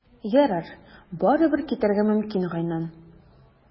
Ярар, барыбер, китәргә мөмкин, Гайнан.